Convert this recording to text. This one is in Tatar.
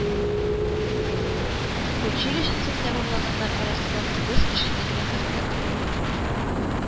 Училищесын тәмамлаганнар арасыннан тугыз кешене генә таптык